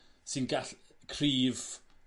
sy'n gall- cryf